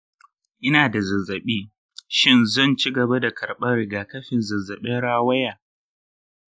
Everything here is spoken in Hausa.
ina da zazzabi, shin zan ci gaba da karɓar rigakafin zazzabin rawaya?